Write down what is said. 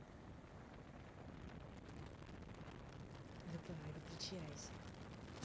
давай выключайся